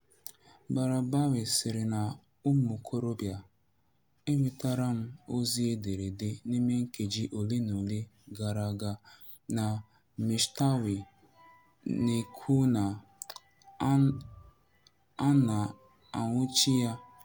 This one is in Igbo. @3arabawy: Ụmụ okorobịa, enwetara m ozi ederede n'ime nkeji olenaole gara aga na @msheshtawy na-ekwu na a na-anuwchi ya.